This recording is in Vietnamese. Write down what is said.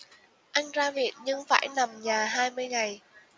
anh ra viện nhưng phải nằm nhà hai mươi ngày